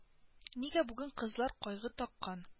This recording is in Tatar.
Нигә бүген кызлар кайгы таккан